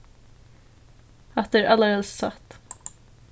hatta er allarhelst satt